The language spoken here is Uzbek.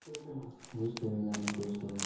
o'zi to'ymaganning ko'zi to'ymas